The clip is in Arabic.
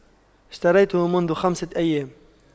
اشتريته منذ خمسة أيام